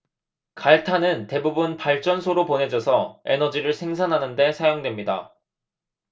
갈탄은 대부분 발전소로 보내져서 에너지를 생산하는 데 사용됩니다